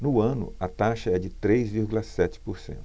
no ano a taxa é de três vírgula sete por cento